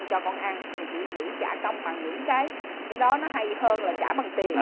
cho con ăn thì chỉ nghĩ trả công bằng những cái cái đó nó hay hơn là trả bằng tiền